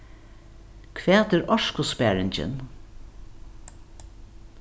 hvat er orkusparingin